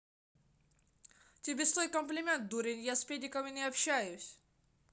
тебе стой комплимент дурень я с педиками не общаюсь